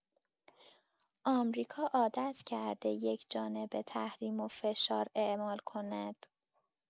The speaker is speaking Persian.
آمریکا عادت‌کرده یک‌جانبه تحریم و فشار اعمال کند.